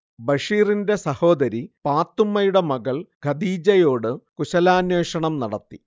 ബഷീറിന്റെ സഹോദരി പാത്തുമ്മയുടെ മകൾ ഖദീജയോട് കുശലാന്വേഷണം നടത്തി